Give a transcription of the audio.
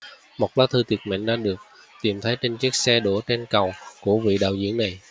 một lá thư tuyệt mệnh đã được tìm thấy trên chiếc xe đỗ trên cầu của vị đạo diễn này